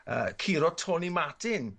yy curo Tony Martin